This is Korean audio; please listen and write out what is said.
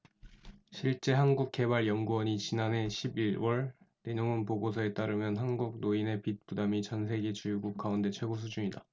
실제 한국개발연구원이 지난해 십 일 월 내놓은 보고서에 따르면 한국 노인의 빚 부담이 전 세계 주요국 가운데 최고 수준이다